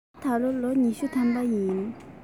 ང ད ལོ ལོ ཉི ཤུ ཐམ པ རེད